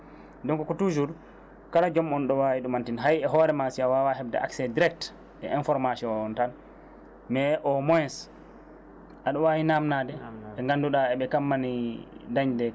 donc ko toujours kala joom on ɗon wawi ɗumantin hayyi e hoore ma si a wawa hebde axé direct e information on tan mais au moins aɗa wawi namdade ɓe gannduɗa eɓe kammani dañde